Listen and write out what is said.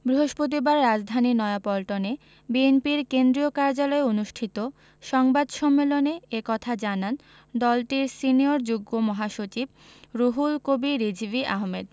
বৃহস্পতিবার রাজধানীর নয়াপল্টনে বিএনপির কেন্দ্রীয় কার্যালয়ে অনুষ্ঠিত সংবাদ সম্মেলন এ কথা জানান দলটির সিনিয়র যুগ্ম মহাসচিব রুহুল কবির রিজভী আহমেদ